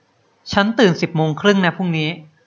ฉันตื่นสิบโมงครึ่งนะพรุ่งนี้